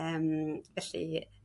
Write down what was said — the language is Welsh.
Eem felly